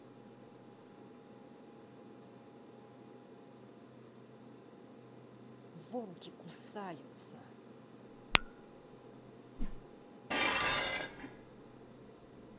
волки кусаются